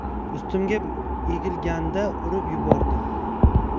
ustimga egilganida urib yubordim